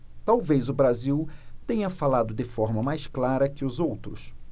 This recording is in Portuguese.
talvez o brasil tenha falado de forma mais clara que os outros